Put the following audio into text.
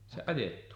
se ajettui